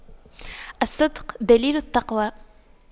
الصدق دليل التقوى